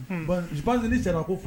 Pzali sera ko